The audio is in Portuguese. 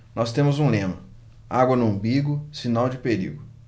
nós temos um lema água no umbigo sinal de perigo